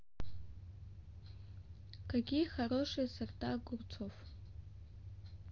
какие хорошие сорта огурцов